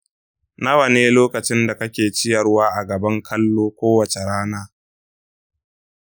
nawa ne lokacin da kake ciyarwa a gaban kallo kowace rana?